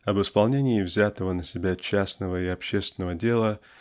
об исполнении взятого на себя частного и общественного дела